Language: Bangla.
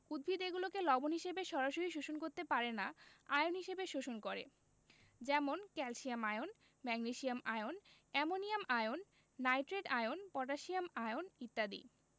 উদ্ভিদ এগুলোকে লবণ হিসেবে সরাসরি শোষণ করতে পারে না আয়ন হিসেবে শোষণ করে যেমন calcium ion magnesium ion ammonium ion nitrate ion potassium ion ইত্যাদি